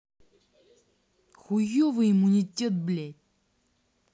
хуевый иммунитет блядь